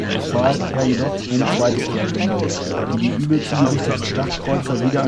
Uhr befahl er jedoch eine zweite Kehrtwendung, die die übel zugerichteten Schlachtkreuzer wieder